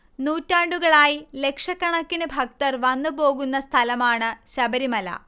നൂറ്റാണ്ടുകളായി ലക്ഷക്കണക്കിന് ഭക്തർ വന്നു പോകുന്ന സഥലമാണ് ശബരിമല